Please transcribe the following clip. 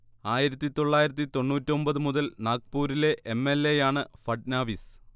ആയിരത്തി തൊള്ളായിരത്തി തൊണ്ണൂറ്റി ഒൻപത് മുതൽ നാഗ്പൂറിലെ എം. എൽ. എ. ആണ് ഫട്നാവിസ്